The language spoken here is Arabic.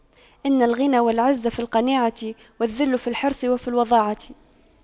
إن الغنى والعز في القناعة والذل في الحرص وفي الوضاعة